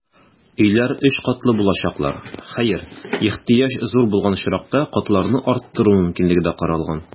Өйләр өч катлы булачаклар, хәер, ихтыяҗ зур булган очракта, катларны арттыру мөмкинлеге дә каралган.